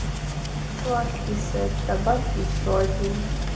сладкий сет добавь еще один